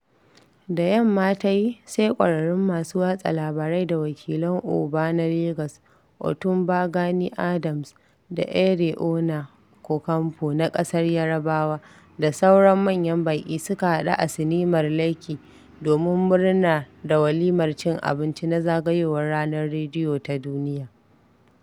Da yamma ta yi, sai ƙwararrun masu watsa labarai da wakilan Oba na Lagos Ọ̀túnba Gani Adams da Ààrẹ Ọ̀nà Kakanfò na ƙasar Yarbawa da sauran manyan baƙi suka haɗu a sinimar Lekki domin murnar da walimar cin abinci na zagayowar Ranar Rediyo Ta Duniya.